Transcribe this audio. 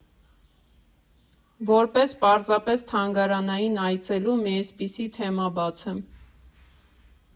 Որպես պարզապես թանգարանային այցելու՝ մի էսպիսի թեմա բացեմ.